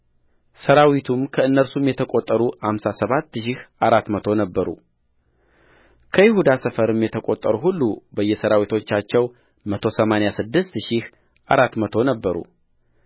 ሠራዊቱም ከእነርሱም የተቈጠሩ አምሳ ሰባት ሺህ አራት መቶ ነበሩከይሁዳ ሰፈር የተቈጠሩ ሁሉ በየሠራዊቶቻቸው መቶ ሰማንያ ስድስት ሺህ አራት መቶ ነበሩ